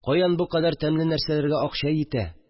Каян бу кадәр тәмле нәрсәләргә акча йитә